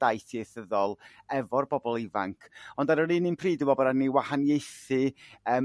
daith ieithyddol efo'r bobol ifanc ond ar yr run un pryd dwi me'l bo' raid i ni wahaniaethu yym